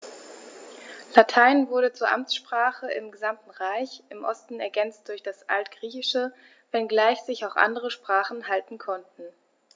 Latein wurde zur Amtssprache im gesamten Reich (im Osten ergänzt durch das Altgriechische), wenngleich sich auch andere Sprachen halten konnten.